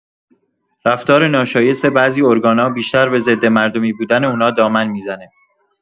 رفتار ناشایست بعضی ارگانا، بیشتر به ضدمردمی بودن اونا دامن می‌زنه.